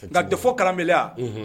Ka de kalanya